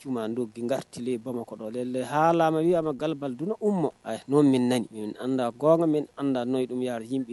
Ji an don gkati bamakɔ ale hamamabad ma n'o da an da n'o dun bɛ araz bi